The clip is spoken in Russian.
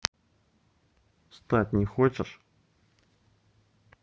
стать не хочешь